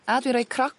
A dwi rhoi